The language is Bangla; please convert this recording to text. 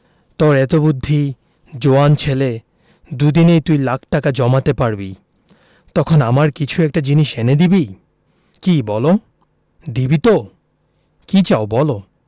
শীতের সকালে রোদে তোমার আরাম লাগছে ভালো লাগছে এই ভালো লাগাটাই মিঠা মানে মিষ্টি এমন সময় রান্নাঘর থেকে মায়ের ডাক এলো